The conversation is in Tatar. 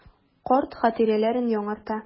Карт хатирәләрен яңарта.